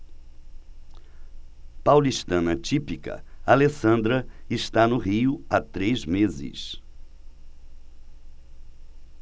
paulistana típica alessandra está no rio há três meses